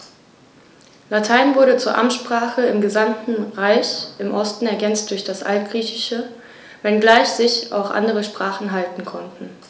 Latein wurde zur Amtssprache im gesamten Reich (im Osten ergänzt durch das Altgriechische), wenngleich sich auch andere Sprachen halten konnten.